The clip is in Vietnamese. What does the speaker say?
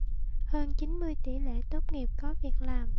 hơn chín mươi tỉ lệ tốt nghiệp có việc làm